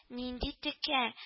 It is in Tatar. Нинди текә